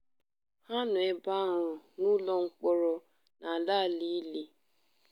Ha nọ ebe ahụ: N'ụlọ mkpọrọ na na ala ili.